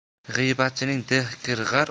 g'iybatchining dih kir